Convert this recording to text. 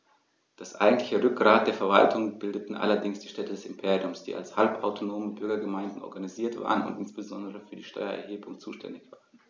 Das eigentliche Rückgrat der Verwaltung bildeten allerdings die Städte des Imperiums, die als halbautonome Bürgergemeinden organisiert waren und insbesondere für die Steuererhebung zuständig waren.